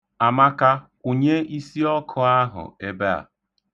Amaka, kwụnye isiọkụ ahụ ebe a.